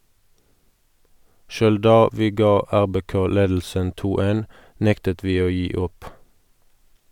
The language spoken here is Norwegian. - Sjøl da vi ga RBK ledelsen 2-1, nektet vi å gi opp.